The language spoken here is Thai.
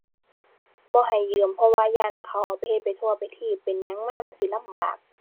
บ่ให้ยืม เพราะว่าย้านเขาเอาไปเฮ็ดไปทั่วไปทีป เป็นหยังมามันสิลำบาก